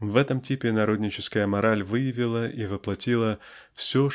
В этом типе народническая мораль выявила и воплотила все